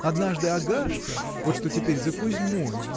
Однажды Агашка – вот что теперь за Кузьмой